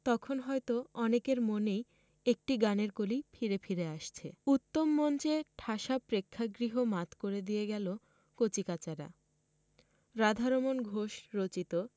তখন হয়তো অনেকের মনেই একটি গানের কলি ফিরে ফিরে আসছে উত্তম মঞ্চে ঠাসা প্রেক্ষাগৃহ মাত করে দিয়ে গেল কচিকাঁচারা রাধারমণ ঘোষ রচিত